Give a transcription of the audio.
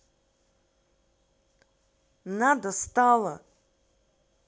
на достала